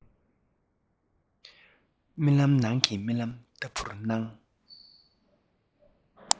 རྨི ལམ ནང གི རྨི ལམ ལྟ བུར སྣང